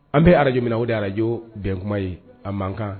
An bɛ arajmina o de arajo bɛnkuma ye a man kan